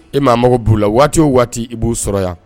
I maa mago b'u la waati o waati i b'u sɔrɔ yan